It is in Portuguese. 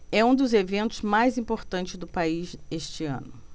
é um dos eventos mais importantes do país este ano